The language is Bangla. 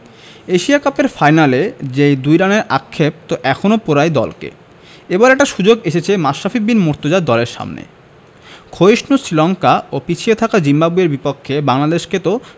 এশিয়া কাপের ফাইনালের সেই ২ রানের আক্ষেপ তো এখনো পোড়ায় দলকে এবার একটা সুযোগ এসেছে মাশরাফি বিন মুর্তজার দলের সামনে ক্ষয়িষ্ণু শ্রীলঙ্কা ও পিছিয়ে থাকা জিম্বাবুয়ের বিপক্ষে বাংলাদেশকে তো